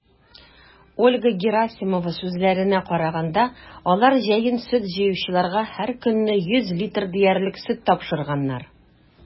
Ольга Герасимова сүзләренә караганда, алар җәен сөт җыючыларга һәркөнне 100 литр диярлек сөт тапшырганнар.